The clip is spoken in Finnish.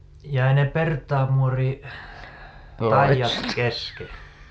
jäi ne Pertaan muorin taiat kesken